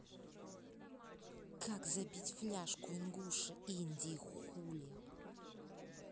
как забить фляжку ингуша индии хули